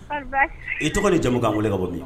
I tɔgɔ ni jamukan wele ka bɔ min